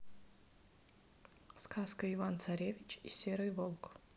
сказка иван царевич и серый волк